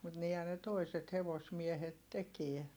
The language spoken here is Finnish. mutta niinhän ne toiset hevosmiehet teki